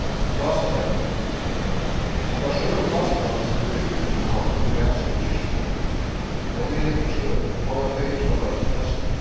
gásadalur sambært søgu gásadals hevur bygdin fingið navn eftir gæsu í kirkjubø hon hevði etið kjøt hóast tað ikki var loyvt í føstu